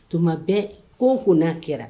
Tuma bɛɛ ko ko na kɛra.